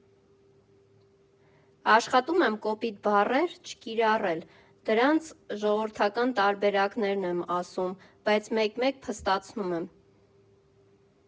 Աշխատում եմ կոպիտ բառեր չկիրառել, դրանց ժողովրդական տարբերակներն եմ ասում, բայց մեկ֊մեկ փստացնում եմ։